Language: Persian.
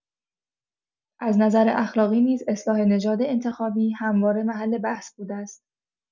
از نظر اخلاقی نیز اصلاح نژاد انتخابی همواره محل بحث بوده است.